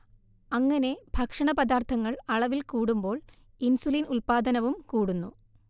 അങ്ങനെ ഭക്ഷണപദാർഥങ്ങൾ അളവിൽ കൂടുമ്പോൾ ഇൻസുലിൻ ഉൽപാദനവും കൂടുന്നു